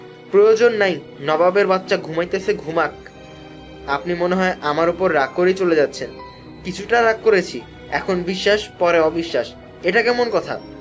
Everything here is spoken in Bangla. প্রয়োজন নাই নবাবের বাচ্চা ঘুমাইতেছে ঘুমাক আপনি মনে হয় আমার উপর রাগ করে চলে যাচ্ছেন কিছুটা রাগ করেছি এখন বিশ্বাস পরে অবিশ্বাস এটা কেমন কথা